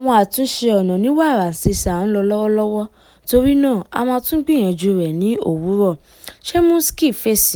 "Àwọn àtúnṣe ọ̀nà ní wàràǹsesà ń lọ lọ́wọ́lọ́wọ́ torí náà a máa tún gbìyànjú rẹ̀ ní òwúrọ̀."Cemuschi fèsì.